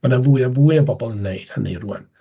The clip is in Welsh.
Ma' 'na fwy a fwy o bobl yn wneud hynny rŵan.